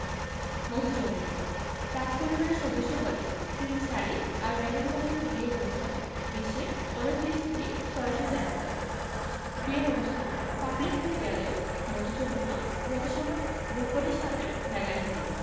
মধুচন্দ্রিমা রাজপরিবারের সদস্য বলে প্রিন্স হ্যারি আর মেগান মার্কেলের বিয়ের অনুষ্ঠান বিশ্বের অনেক দেশ থেকেই সরাসরি দেখা যাবে বিয়ের অনুষ্ঠান পাবলিক হয়ে গেলেও মধুচন্দ্রিমা যথাসম্ভব গোপনেই সারবেন মেগান হ্যারি